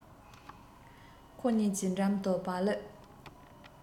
ཁོ གཉིས ཀྱི འགྲམ དུ བག ལེབ